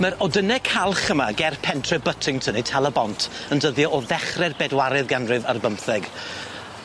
Ma'r odyne calch yma ger pentre Buttington ne' Tal-y-bont yn dyddio o ddechre'r bedwaredd ganrif ar bymtheg.